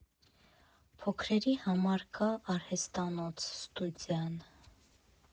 Փոքրերի համար կա «Արհեստանոց» ստուդիան։